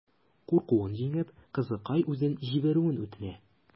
Куркуын җиңеп, кызыкай үзен җибәрүен үтенә.